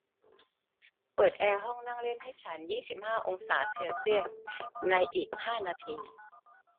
เปิดแอร์ห้องนั่งเล่นให้ฉันยี่สิบห้าองศาเซลเซียสในอีกห้านาที